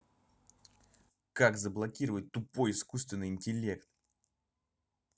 как заблокировать тупой искусственный интеллект